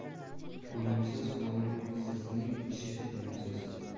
qo'nimsiz qo'nimsizning ishi unumsiz